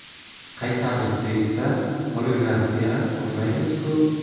qaytamiz deyishsa qolinglar deya olmaymiz